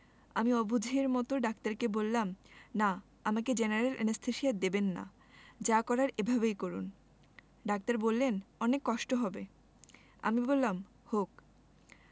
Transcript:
আমি অবুঝের মতো ডাক্তারকে বললাম না আমাকে জেনারেল অ্যানেসথেসিয়া দেবেন না যা করার এভাবেই করুন ডাক্তার বললেন অনেক কষ্ট হবে আমি বললাম হোক